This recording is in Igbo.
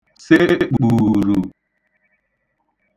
sekpù(rù) àlà